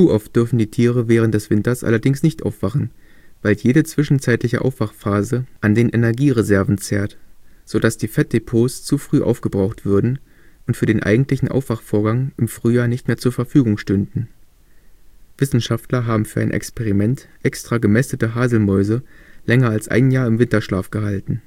oft dürfen die Tiere während des Winters allerdings nicht aufwachen, weil jede zwischenzeitliche Aufwachphase an den Energiereserven zehrt, so dass die Fettdepots zu früh aufgebraucht würden und für den eigentlichen Aufwachvorgang im Frühjahr nicht mehr zur Verfügung stünden. Wissenschaftler haben für ein Experiment extra gemästete Haselmäuse länger als ein Jahr im Winterschlaf gehalten